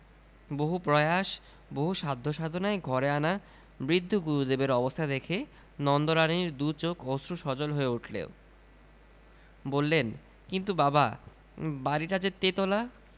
বহু প্রয়াস বহু সাধ্য সাধনায় ঘরে আনা বৃদ্ধ গুরুদেবের অবস্থা দেখে নন্দরানীর দু'চোখ অশ্রু সজল হয়ে উঠল বললেন কিন্তু বাবা বাড়িটা যে তেতলা